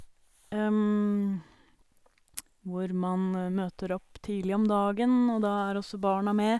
Hvor man møter opp tidlig om dagen, og da er også barna med.